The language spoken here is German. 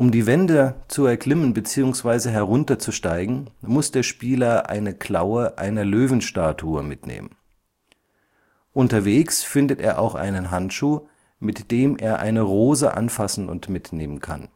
die Wände zu erklimmen bzw. herunterzusteigen, muss der Spieler eine Klaue einer Löwenstatue mitnehmen. Unterwegs findet er auch einen Handschuh, mit dem er eine Rose anfassen und mitnehmen kann